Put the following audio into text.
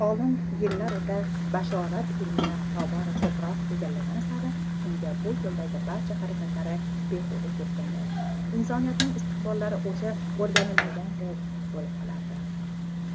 olim yillar o'ta bashorat ilmini tobora ko'proq egallagani sari unga bu yo'ldagi barcha harakatlari behuda ketganday sezilar edi